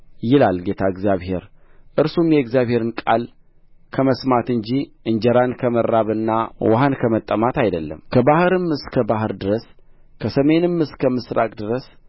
ይላል ጌታ እግዚአብሔር እርሱም የእግዚአብሔርን ቃል ከመስማት እንጂ እንጀራን ከመራብና ውኃን ከመጠማት አይደለም ከባሕርም እስከ ባሕር ድረስ ከሰሜንም እስከ ምሥራቅ ድረስ